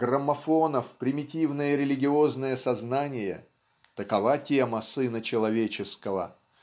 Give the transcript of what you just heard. граммофона в примитивное религиозное сознание (такова тема "Сына человеческого")